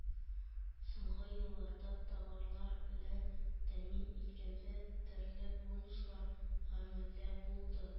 Соңгы елларда товарлар белән тәэмин иткәндә төрле бонуслар гамәлдә булды